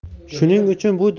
shuning uchun bu